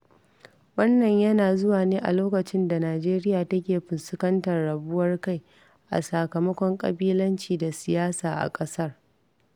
Wannan yana zuwa ne a lokacin da Nijeriya take fuskantar rabuwar kai a sakamakon ƙabilanci da siyasa a ƙasar.